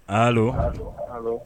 Aa